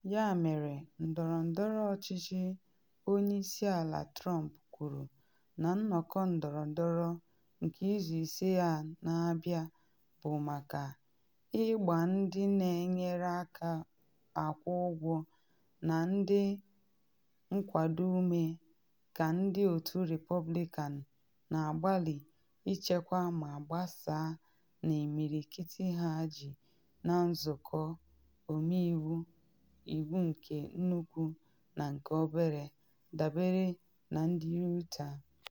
Ya mere, ndọrọndọrọ ọchịchị Onye Isi Ala Trump kwuru na nnọkọ ndọrọndọrọ nke izu ise a na-abịa bụ maka “ịgba ndị na-enyere aka akwụ ụgwọ na ndị nkwado ume, ka ndị otu Repọblikan na-agbalị ichekwa ma gbasaa na ịmịrịkịtị ha ji na Nzụkọ Ọmeiwu Iwu nke Nnukwu na nke Obere” dabere na ndị Reuter.